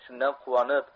shundan quvonib